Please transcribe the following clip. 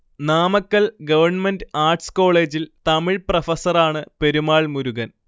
Namakkal government arts കോളേജിൽ തമിഴ് പ്രൊഫസറാണ് പെരുമാൾ മുരുഗൻ